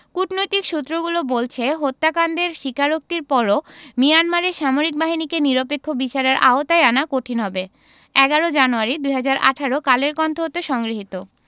কূটনৈতিক সূত্রগুলো বলছে হত্যাকাণ্ডের স্বীকারোক্তির পরও মিয়ানমারের সামরিক বাহিনীকে নিরপেক্ষ বিচারের আওতায় আনা কঠিন হবে ১১ জানুয়ারি ২০১৮ কালের কন্ঠ হতে সংগৃহীত